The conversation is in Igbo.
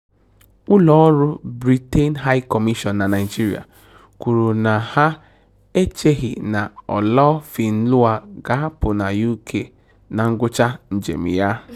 Ụlọọrụ Britain High Commission na Naịjirịa kwuru na ha "echeghị" na Olofinlua ga-apụ na UK na ngwụchaa njem ya.